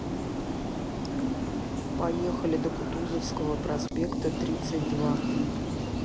поехали до кутузовского проспекта тридцать два